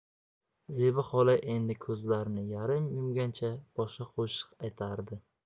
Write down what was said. zebi xola endi ko'zlarini yarim yumgancha boshqa qo'shiq aytardi